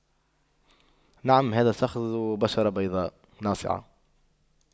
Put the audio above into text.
نعم هذا الشخص ذو بشرة بيضاء ناصعة